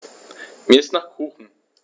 Mir ist nach Kuchen.